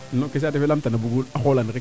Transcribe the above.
non ke saate fe laamtan a bugu xoolan rek